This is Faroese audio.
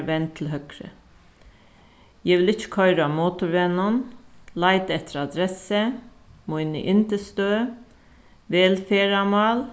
vend til høgru eg vil ikki koyra á motorvegnum leita eftir adressu míni yndisstøð vel ferðamál